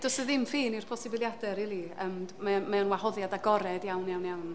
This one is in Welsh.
Does 'na ddim ffin i'r posibiliadau rili. Yym d- mae o mae o'n wahoddiad agored iawn iawn iawn.